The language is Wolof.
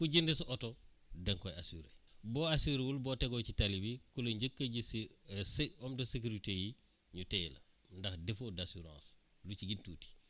ku jënd sa oto da nga koy assurer boo assurer wul boo tegoo ci tali bi ku la njëkk a gis si homme de sécurité yi ñu téye la ndax défaut d' assurance gën tuuti